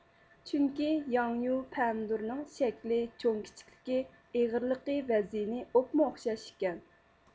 چۈنكى ياڭيۇ پەمىدۇرنىڭ شەكلى چوڭ كىچىكلىكى ئېغىرلىقى ۋەزنى ئوپمۇئوخشاش ئىكەن